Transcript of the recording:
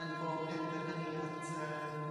yn bob penderfyniad yy